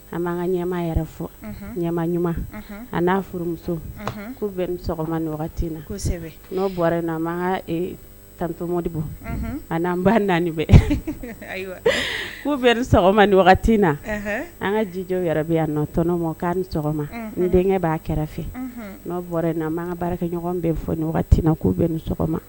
An b'an ka ɲɛma yɛrɛ fɔ ɲɛma ɲuman a n'a furumuso ko bɛ sɔgɔma wagati na nɔr naan ka tantomɔdibu ani'an ba naani ko bɛ sɔgɔma ni wagati na an ka jijɛw yɛrɛ bɛ yanɔnɔ ma k' ni sɔgɔma ni denkɛ b'a kɛrɛfɛ n'o bɔra na an'an ka baara kɛ ɲɔgɔn bɛ fɔ niina k'u bɛ nin sɔgɔma